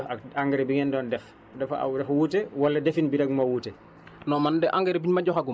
waaye tey engrais biñ leen jox ak engrais bi ngeen doon def dafa aw dafa wute wala defin bi rek moo wute